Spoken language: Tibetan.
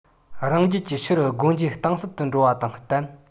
རང རྒྱལ གྱི ཕྱི རུ སྒོ འབྱེད གཏིང ཟབ ཏུ འགྲོ བ དང བསྟན